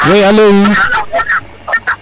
oui alo oui